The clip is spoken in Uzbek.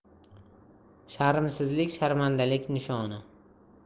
sharmsizlik sharmandalik nishoni